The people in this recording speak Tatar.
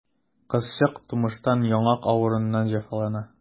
Кызчык тумыштан яңак авыруыннан җәфалана.